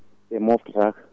ɗen moftotako